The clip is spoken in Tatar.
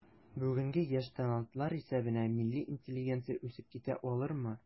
Бүгенге яшь талантлар исәбенә милли интеллигенция үсеп китә алырмы?